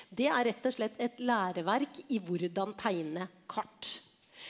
det er rett og slett et læreverk i hvordan tegne kart.